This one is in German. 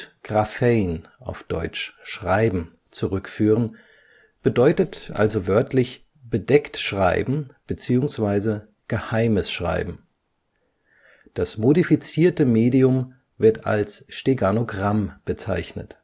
gráphein ‚ schreiben ‘zurückführen, bedeutet also wörtlich „ bedeckt schreiben “bzw. „ geheimes Schreiben “. Das modifizierte Medium wird als Steganogramm bezeichnet